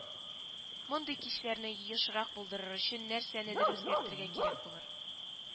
Мондый кичләрне ешрак булдырыр өчен нәрсәнедер үзгәртергә кирәк булыр